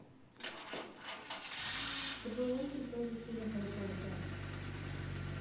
с тобой очень тоже сильно хорошо общаться